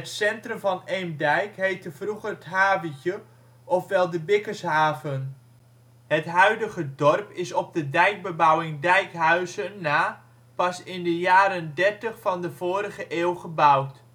centrum van Eemdijk heette vroeger ' t haventje ofwel de bikkershaven. Het huidige dorp is op de dijkbebouwing Dijkhuizen na pas in de jaren dertig van de vorige eeuw gebouwd